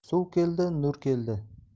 suv keldi nur keldi